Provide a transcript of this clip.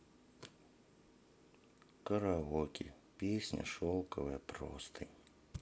караоке песня шелковая простынь